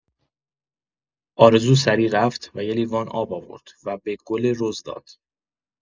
آرزو سریع رفت و یه لیوان آب آورد و به گل رز داد.